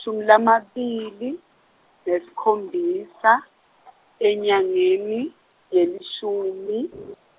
emashumi lamabili, nesikhombisa , enyangeni, yelishumi.